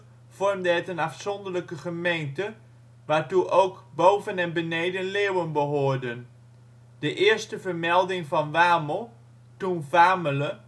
vormde het een afzonderlijke gemeente, waartoe ook Boven - en Beneden-Leeuwen behoorden. De eerste vermelding van Wamel, toen Vamele